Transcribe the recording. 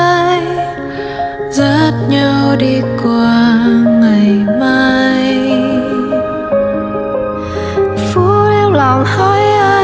dắt nhau đi qua ngày mai phút yếu lòng hỏi anh